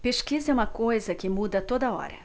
pesquisa é uma coisa que muda a toda hora